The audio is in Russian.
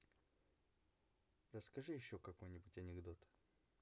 расскажи еще какой нибудь анекдот